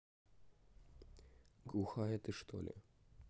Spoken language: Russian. глухая ты что ли